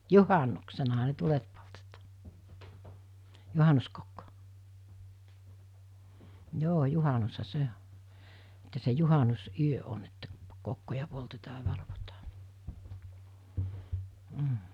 juhannuksenahan ne tulet poltettiin juhannuskokko joo juhannushan se on että se juhannusyö on että kokkoja poltetaan ja valvotaan mm